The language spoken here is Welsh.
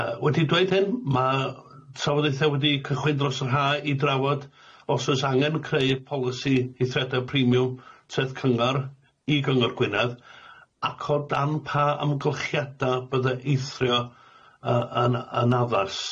Yy wedi dweud hyn ma' trafodaethe wedi cychwyn dros yr Ha i drafod os oes angen creu'r polisi ithriada premiwm treth cyngor i Gyngor Gwynedd ac o dan pa amgylchiada bydde eithrio yy yn yn addas.